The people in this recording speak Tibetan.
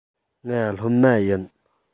ང སློབ མ ཡིན